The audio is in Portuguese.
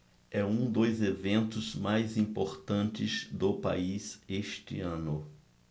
é um dos eventos mais importantes do país este ano